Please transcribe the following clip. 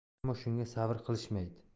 ammo shunga sabr qilishmaydi